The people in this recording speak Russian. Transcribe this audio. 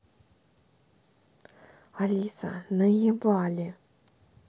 алиса наебали